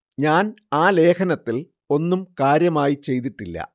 ഞാൻ ആ ലേഖനത്തിൽ ഒന്നും കാര്യമായി ചെയ്തിട്ടില്ല